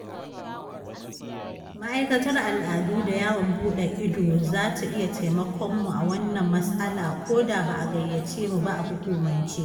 Ma'aikatar Al'adu da Yawon Buɗe Ido za ta iya taimakon mu a wannan mas'ala ko da ba a gayyace mu ba a hukumance.